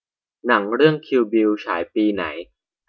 หนังเรื่องคิลบิลฉายปีไหน